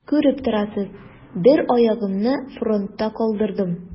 Күреп торасыз: бер аягымны фронтта калдырдым.